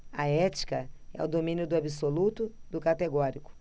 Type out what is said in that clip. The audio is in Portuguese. a ética é o domínio do absoluto do categórico